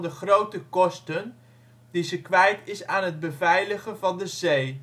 grote kosten die ze kwijt is aan het beveiligen van de zee